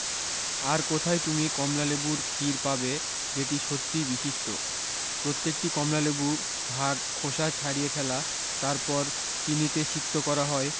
আর কোথায় তুমি কমলালেবুর খীর পাবে যেটি সত্যিই বিশিষ্ট প্রত্যেকটি কমলালেবু ভাগ খোসা ছাড়িয়ে ফেলা তারপর চিনিতে সিক্ত করা হয়